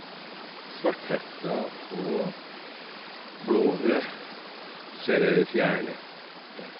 Svarthetta og Blåhø ser jeg i det fjerne der.